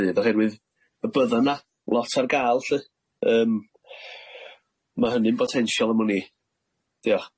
rhydd oherwydd y bydda na lot ar ga'l lly yym ma' hynny'n botensial am wn i diolch.